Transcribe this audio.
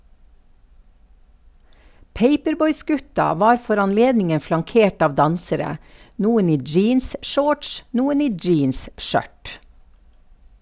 Paperboys-gutta var for anledningen flankert av dansere, noen i jeans-shorts, noen i jeans-skjørt.